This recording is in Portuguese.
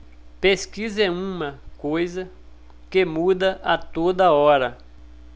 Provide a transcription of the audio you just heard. pesquisa é uma coisa que muda a toda hora